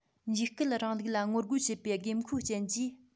འཇིགས སྐུལ རིང ལུགས ལ ངོ རྒོལ བྱེད པའི དགོས མཁོའི རྐྱེན གྱིས